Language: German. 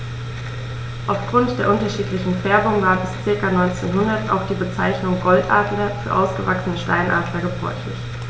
Auf Grund der unterschiedlichen Färbung war bis ca. 1900 auch die Bezeichnung Goldadler für ausgewachsene Steinadler gebräuchlich.